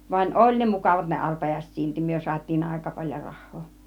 vaan oli ne mukavat ne arpajaiset silti me saatiin aika paljon rahaa